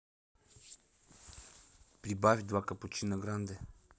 прибавь два капучино гранде